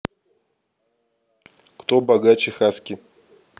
кто богаче хаски